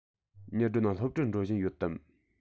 ཉི སྒྲོན སློབ གྲྭར འགྲོ བཞིན ཡོད དམ